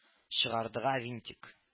Чыгардыга винтик